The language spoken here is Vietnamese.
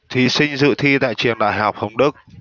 thí sinh dự thi tại trường đại học hồng đức